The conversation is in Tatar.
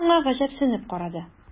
Кыз аңа гаҗәпсенеп карады.